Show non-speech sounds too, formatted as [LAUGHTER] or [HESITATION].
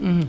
[HESITATION] [HESITATION]